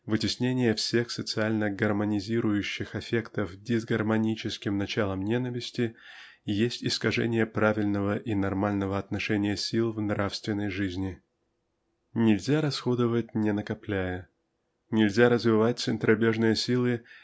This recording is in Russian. вытеснение всех социально-гармонизирующих аффектов дисгармоническим началом ненависти есть искажение правильного и нормального отношения сил в нравственной жизни. Нельзя расходовать, не накопляя нельзя развивать центробежные силы